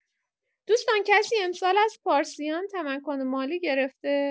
دوستان کسی امسال از پارسیان تمکن مالی گرفته؟